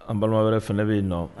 An balima wɛrɛ fana ne bɛ yen nɔ